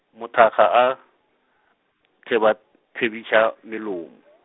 mothaka a, thebathebiša melomo .